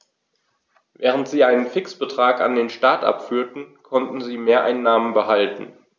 Während sie einen Fixbetrag an den Staat abführten, konnten sie Mehreinnahmen behalten.